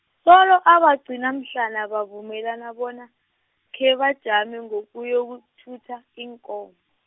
solo abagcina mhlana bavumelana bona, khebajame ngokuyokuthutha iinkomo.